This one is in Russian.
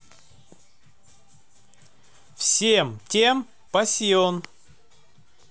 всем тем passion